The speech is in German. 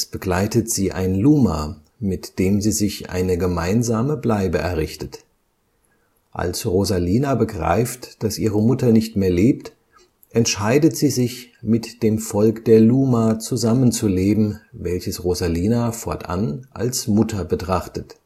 begleitet sie ein Luma, mit dem sie sich eine gemeinsame Bleibe errichtet. Als Rosalina begreift, dass ihre Mutter nicht mehr lebt, entscheidet sie sich, mit dem Volk der Luma zusammenzuleben, welches Rosalina fortan als Mutter betrachtet